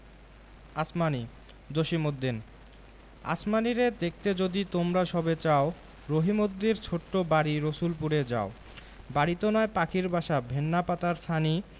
আসমানী জসিমউদ্দিন আসমানীরে দেখতে যদি তোমরা সবে চাও রহিমদ্দির ছোট্ট বাড়ি রসুলপুরে যাও বাড়িতো নয় পাখির বাসা ভেন্না পাতার ছানি